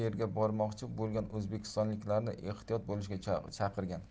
u yerga bormoqchi bo'lgan o'zbekistonliklarni ehtiyot bo'lishga chaqirgan